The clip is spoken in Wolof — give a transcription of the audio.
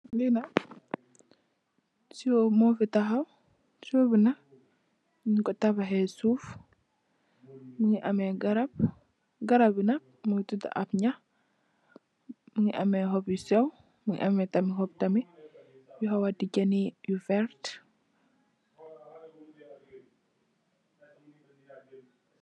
Linak siyoo mofi tahaw soo bi nak nyjng ko tabaheh suuf nyung fa def garap garap bi nak mungi tudu ab nyax mungi ameh hob yu sew mungi ameh tam hop tamit yu hawa dija nee mu ameh lu veert